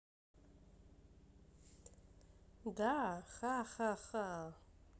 да ха ха ха